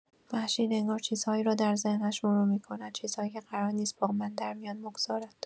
مهشید انگار چیزهایی را در ذهنش مرور می‌کند، چیزهایی که قرار نیست با من در میان بگذارد.